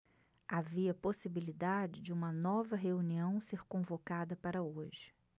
havia possibilidade de uma nova reunião ser convocada para hoje